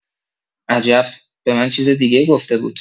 عجب به من چیز دیگه‌ای گفته بود